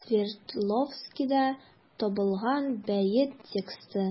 Свердловскида табылган бәет тексты.